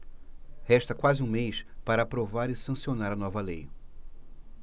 resta quase um mês para aprovar e sancionar a nova lei